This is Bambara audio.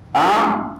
A